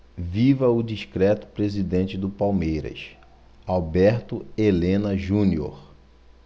viva o discreto presidente do palmeiras alberto helena junior